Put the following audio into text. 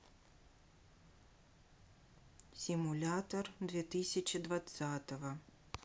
симулятор две тысячи двадцатого